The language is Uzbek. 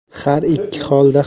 har ikki holda